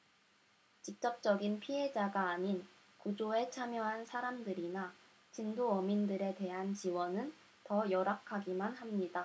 직접적인 피해자가 아닌 구조에 참여한 사람들이나 진도어민들에 대한 지원은 더 열악하기만 합니다